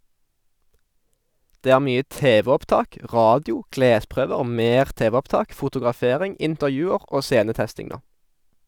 Det er mye tv-opptak, radio, klesprøver, mer tv-opptak, fotografering, intervjuer og scenetesting nå.